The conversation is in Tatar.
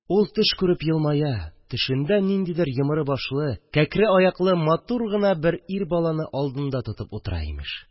Ул төш күреп елмая, төшендә ниндидер йомры башлы, кәкре аяклы матур гына бер ир баланы алдында тотып утыра, имеш